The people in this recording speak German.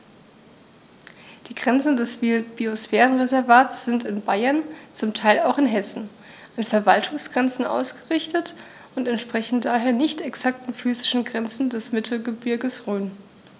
Die Grenzen des Biosphärenreservates sind in Bayern, zum Teil auch in Hessen, an Verwaltungsgrenzen ausgerichtet und entsprechen daher nicht exakten physischen Grenzen des Mittelgebirges Rhön.